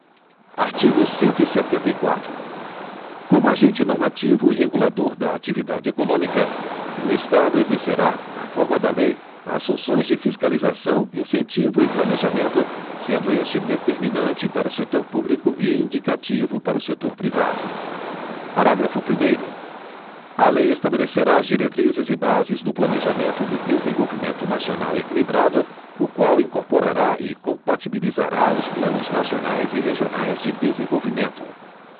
artigo cento e setenta e quatro como agente normativo e regulador da atividade econômica o estado exercerá na forma da lei as funções de fiscalização incentivo e planejamento sendo este determinante para o setor público e indicativo para o setor privado parágrafo primeiro a lei estabelecerá as diretrizes e bases do planejamento do desenvolvimento nacional equilibrado o qual incorporará e compatibilizará os planos nacionais e regionais de desenvolvimento